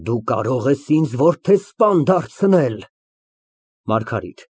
Դու կարող ես ինձ որդեսպան դարձնել։ ՄԱՐԳԱՐԻՏ ֊